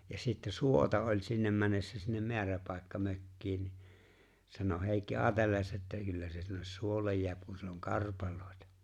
ja sitten suota oli sinne mennessä sinne määräpaikkamökkiin niin sanoi Heikki ajatelleensa että kyllä se sinne suolle jää kun siellä on karpaloita